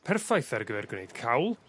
Perffaith ar gyfer gwneud cawl